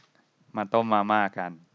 มาต้มมาม่ากัน